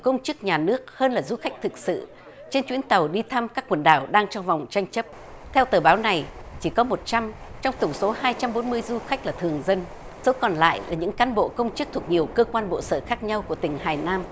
công chức nhà nước hơn là du khách thực sự trên chuyến tàu đi thăm các quần đảo đang trong vòng tranh chấp theo tờ báo này chỉ có một trăm trong tổng số hai trăm bốn mươi du khách là thường dân số còn lại thì những cán bộ công chức thuộc nhiều cơ quan bộ sở khác nhau của tỉnh hải nam